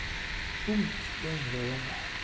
шум дождя и грома